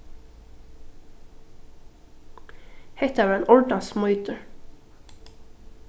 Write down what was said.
hetta var ein ordans smeitur